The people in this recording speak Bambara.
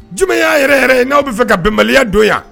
Juma y'a yɛrɛ yɛrɛ n'a bɛ fɛ ka bɛnbaliya don yan